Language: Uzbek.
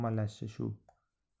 ommalashish shu